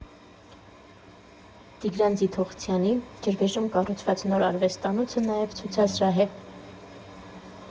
Տիգրան Ձիթողցյանի՝ Ջրվեժում կառուցված նոր արվեստանոցը նաև ցուցասրահ է։